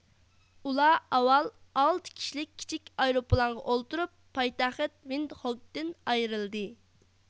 ئۇلار ئاۋۋال ئالتە كىشىلىك كىچىك ئايروپىلانغا ئولتۇرۇپ پايتەخت ۋىندخوكتىن ئايرىلدى